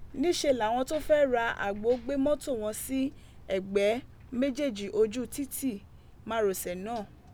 Niṣe lawọn to fẹ ra agbo gbe mọto wọn si ẹgbẹ mejeeji oju titi marọsẹ naa.